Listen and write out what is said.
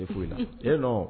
Tɛ foyi la. Ee nɔn